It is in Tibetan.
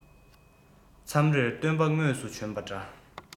མཚམས རེར སྟོན པ དངོས སུ བྱོན པ འདྲ